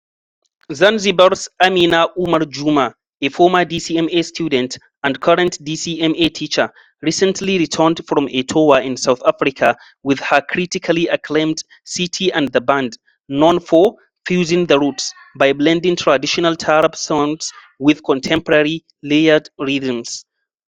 Zanzibar’s Amina Omar Juma, a former DCMA student and current DCMA teacher, recently returned from a tour in South Africa with her critically acclaimed, "Siti and the Band", known for "fusing the roots" by blending traditional taarab sounds with contemporary, layered rhythms.